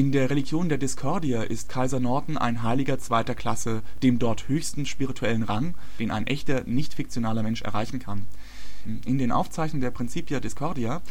der Religion der Diskordier ist Kaiser Norton ein Heiliger zweiter Klasse, dem dort höchsten spirituellen Rang, den ein echter nicht-fiktionaler Mensch erreichen kann. In den Aufzeichnungen der Principia Discordia